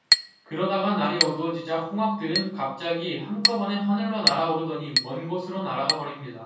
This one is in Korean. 그러다가 날이 어두워지자 홍학들은 갑자기 한꺼번에 하늘로 날아오르더니 먼 곳으로 날아가 버립니다